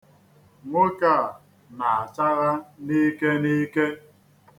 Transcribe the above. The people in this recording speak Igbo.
Nwoke a na-achagha n'ike n'ike.